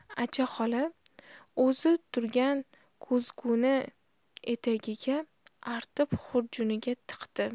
acha xola o'zi tutib turgan ko'zguni etagiga artib xurjuniga tiqdi